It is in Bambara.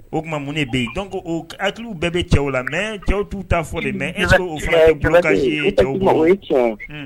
O kuma mun de be ye donc oo k hakiliw bɛɛ be cɛw la mais cɛw t'u ta fɔ de mais est ce que o fura ye blocage ye cɛw bolo effectivement o ye tiɲɛ ye un